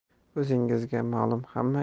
o'zingizga malum hamma